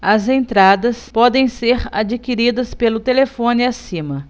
as entradas podem ser adquiridas pelo telefone acima